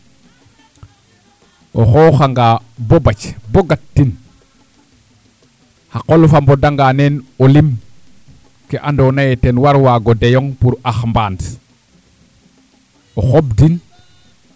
o xooxanga boo bac boo gatin xa qol fa mbodanga neen o lim ke andoona yee ten war o waago deyong pour ax mbaan o xobdin